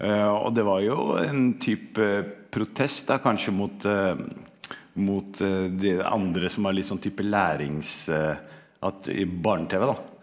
og det var jo en type protest da kanskje mot mot dere andre som har litt sånn type at i barne-tv da.